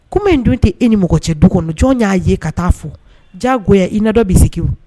Kɔmi min dun tɛ e ni mɔgɔ cɛ du kɔnɔj y'a ye ka taa fɔ jaago i na dɔ bɛ sigigin